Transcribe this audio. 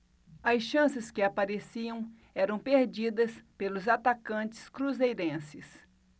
as chances que apareciam eram perdidas pelos atacantes cruzeirenses